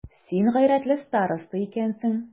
Син гайрәтле староста икәнсең.